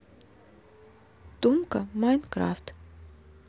тумка майнкрафт